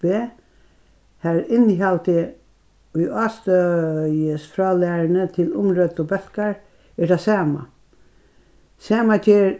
b har innihaldið í ástøðisfrálæruni til umrøddu bólkar er tað sama sama ger